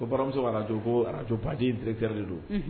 Ko baramuso araj ko araj badi dki de don